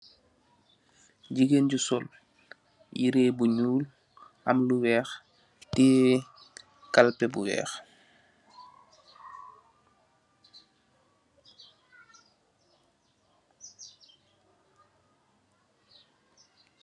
Gigain ju sol yereh bu njull am lu wekh tiyeh kalpeh bu wekh.